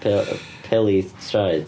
P- peli traed.